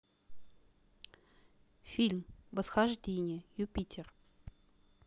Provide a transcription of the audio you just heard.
фильм восхождение юпитер